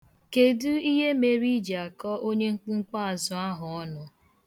Kedụ ihe mere i ji akọ onye mkpumkpuazụ ahụ ọnụ?